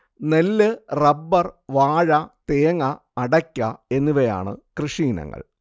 നെല്ല് റബ്ബർ വാഴ തേങ്ങ അടയ്ക്ക എന്നിവയാണ് കൃഷിയിനങ്ങൾ